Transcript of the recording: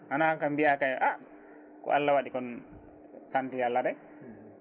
hana kam mbiya kay a ko Allah waɗi kon sante Yallah rek